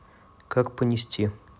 как понести